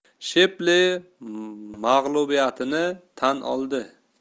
shepli mag'lubiyatni tan oldi